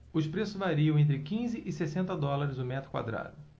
os preços variam entre quinze e sessenta dólares o metro quadrado